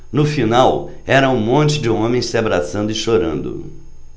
no final era um monte de homens se abraçando e chorando